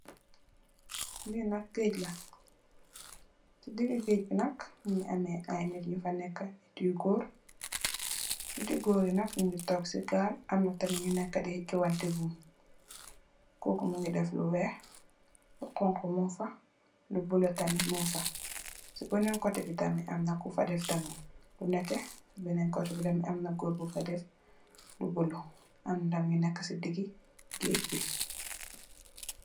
Li nak gaij la. Ci digii gaij bi nak ay nit nyofa neka nit yu korr. Nit yo gorr yii nak nyu tok ci gal. Amna tam nyu neka di hejo wanteh boom. Koku mungi def lu wekh lu xongxo mungi fa, lu blue tamit mung fa. Ci benen koteh bi tamit Amna gorr bufa def lu blue. Am tam nyu neka ci digii gaij bii.